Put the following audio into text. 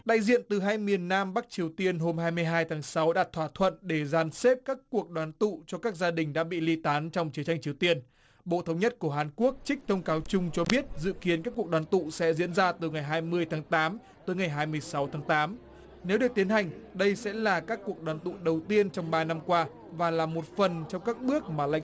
đại diện từ hai miền nam bắc triều tiên hôm hai mươi hai tháng sáu đạt thỏa thuận để dàn xếp các cuộc đoàn tụ cho các gia đình đã bị ly tán trong chiến tranh triều tiên bộ thống nhất của hàn quốc trích thông cáo chung cho biết dự kiến các cuộc đoàn tụ sẽ diễn ra từ ngày hai mươi tháng tám tới ngày hai mươi sáu tháng tám nếu được tiến hành đây sẽ là các cuộc đoàn tụ đầu tiên trong ba năm qua và là một phần trong các bước mà lãnh